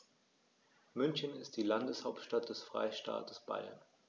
München ist die Landeshauptstadt des Freistaates Bayern.